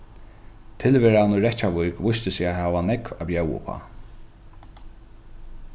tilveran í reykjavík vísti seg at hava nógv at bjóða uppá